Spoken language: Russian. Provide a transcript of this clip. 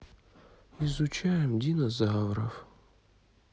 изучаем динозавров